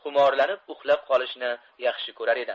xumorlanib uxlab qolishni yaxshi ko'rar edi